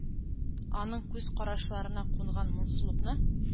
Аның күз карашларына кунган моңсулыкны,